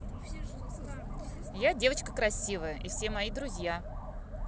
я девочка красивая и все мои друзья